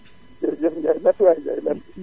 jërëjëf merci waay merci